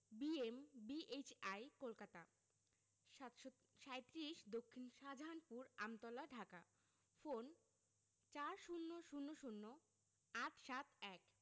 B M B H I Kolkata ৭৩৭ দক্ষিন Shahjahanpur Amtala Dhaka phone ৪০০০ ৮৭১